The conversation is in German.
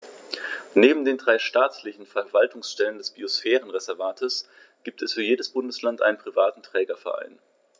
Neben den drei staatlichen Verwaltungsstellen des Biosphärenreservates gibt es für jedes Bundesland einen privaten Trägerverein.